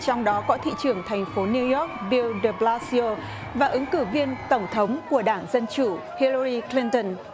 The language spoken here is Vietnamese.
trong đó có thị trưởng thành phố niu doóc biu đờ ba xi ô và ứng cử viên tổng thống của đảng dân chủ hi lơ ry cờ lin tần